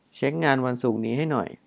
เช็คงานวันศุกร์นี้ให้หน่อย